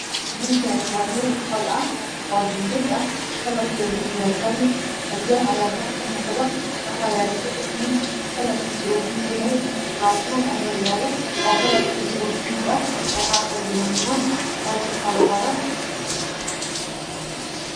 Meshani wa mel qola ah oo jingad ah kalrkeedu uu yahay qalin alawaax ayaa kor kamuuqdo waxa yaalo sadax miis kalrkiisa uu paluug yahy kuraas aya yalo oo kalrkiisu pluug ah waxaa fadhiyo niman aad ufara badan